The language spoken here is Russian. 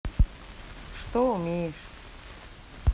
что умеешь